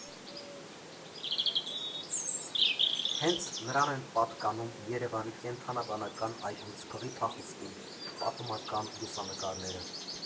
Հենց նրան են պատկանում Երևանի Կենդանաբանական այգուց փղի փախուստի պատմական լուսանկարները։